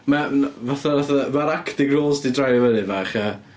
Mae o'n fatha... Fatha, mae'r acting roles 'di draio fyny bach, ia.